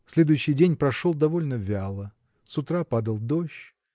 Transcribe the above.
Следующий день прошел довольно вяло. С утра падал дождь